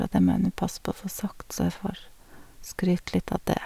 Og det må jeg nå passe på å få sagt, så jeg får skryte litt av det.